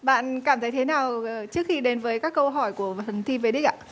bạn cảm thấy thế nào trước khi đến với các câu hỏi của phần thi về đích ạ